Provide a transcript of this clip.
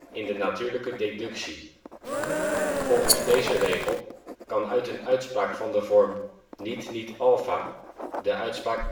in de natuurlijke deductie. Volgens deze regel kan uit een uitspraak van de vorm ¬¬ α {\ displaystyle \ lnot \ lnot \ alpha} (' niet niet α {\ displaystyle \ alpha} ') de uitspraak